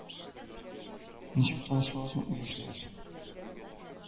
Ничек танышалар соң ул яшьләр